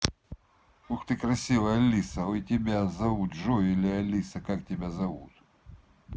ух ты красная алиса ой тебя зовут джойс или алиса как тебя зовут